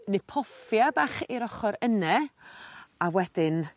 kniphofia bach i'r ochor yne a wedyn